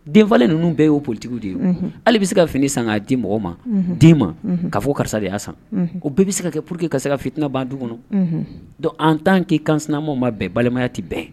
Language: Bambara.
Denfalen ninnu bɛɛ y'o politigiw de ye hali bɛ se ka fini san k'a di mɔgɔw ma den ma ka fɔ karisa deya san o bɛɛ bɛ se ka kɛ pur que ka se ka fitina ban du kɔnɔ don an t' k'i kanma ma bɛn balimaya tɛ bɛn